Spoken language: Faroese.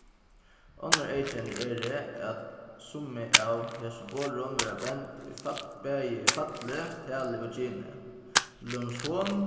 onnur eyðkenni eru at summi av hesum orðum verða bend í bæði í falli tali og kyni til dømis hon